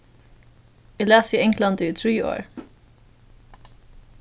eg las í englandi í trý ár